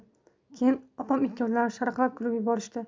keyin opam ikkovlari sharaqlab kulib yuborishdi